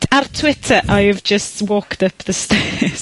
Ar Twitter I've just walked up the stairs?